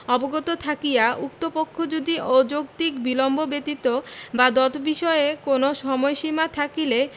অবগত থাকিয়া উক্ত পক্ষ যদি অযৌক্তিক বিলম্ব ব্যতীত বা দতবিষয়ে কোন সময়সীমা থাকিলে